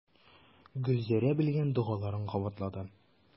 Гөлзәрә белгән догаларын кабатлады.